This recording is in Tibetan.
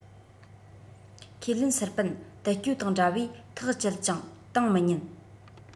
ཁས ལེན སུར པན ཏིལ སྐྱོ དང འདྲ བས ཐག བཅད ཅིང བཏང མི ཉན